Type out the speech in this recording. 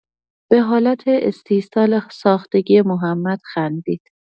به حالت استیصال ساختگی محمد خندید.